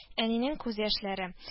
Әнинең күз яшьләре